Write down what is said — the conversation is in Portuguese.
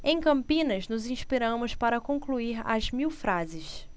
em campinas nos inspiramos para concluir as mil frases